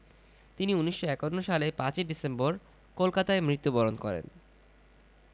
তিনি ১৯৫১ সালে ৫ই ডিসেম্বর কলকাতায় মৃত্যুবরণ করেন